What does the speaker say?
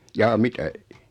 jaa mitä